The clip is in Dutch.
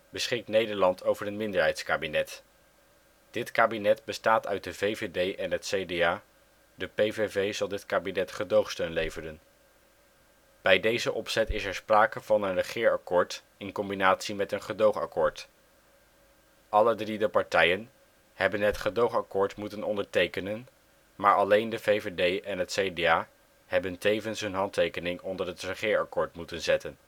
beschikt Nederland over een minderheidskabinet. Dit kabinet bestaat uit de VVD en het CDA, de PVV zal dit kabinet gedoogsteun leveren. Bij deze opzet is er sprake is van regeerakkoord in combinatie met gedoogakkoord. Alle drie de partijen hebben het gedoogakkoord moeten ondertekenen, maar alleen de VVD en het CDA hebben tevens hun handtekening onder het regeerakkoord moeten zetten